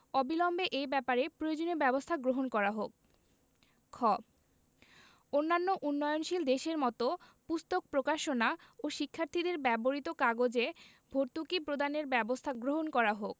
অবিলম্বে এই ব্যাপারে প্রয়োজনীয় ব্যাবস্থা গ্রহণ করা হোক খ অন্যান্য উন্নয়নশীল দেশের মত পুস্তক প্রকাশনা ও শিক্ষার্থীদের ব্যবহৃত কাগজে ভর্তুকি প্রদানের ব্যবস্থা গ্রহণ করা হোক